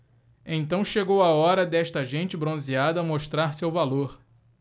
então chegou a hora desta gente bronzeada mostrar seu valor